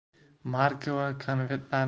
marka va konvertlarni